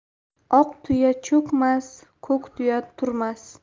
oq tuya cho'kmas ko'k tuya turmas